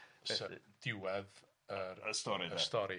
Stori. Diwedd yr... Y stori. ...y stori.